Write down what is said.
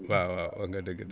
waaw waaw wax nga dëgg